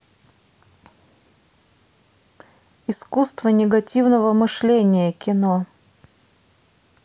искусство негативного мышления кино